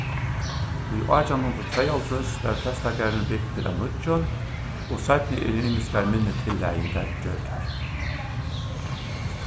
í átjan hundrað og tveyoghálvtrýss varð prestagarðurin bygdur av nýggjum og seinni eru ymiskar minni tillagingar gjørdar